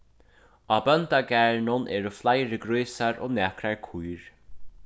á bóndagarðinum eru fleiri grísar og nakrar kýr